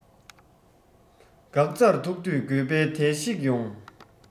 འགག རྩར ཐུག དུས དགོས པའི དུས ཤིག ཡོང